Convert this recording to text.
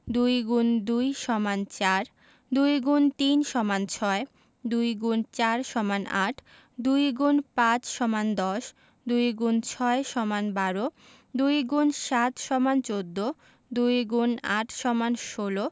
২ X ২ = ৪ ২ X ৩ = ৬ ২ X ৪ = ৮ ২ X ৫ = ১০ ২ X ৬ = ১২ ২ X ৭ = ১৪ ২ X ৮ = ১৬